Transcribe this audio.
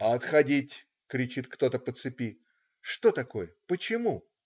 "Отходить!" - кричит кто-то по цепи. Что такое? Почему?.